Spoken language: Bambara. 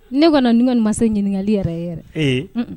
Ne kɔni n ma se ɲininkakali yɛrɛ e yɛrɛ ee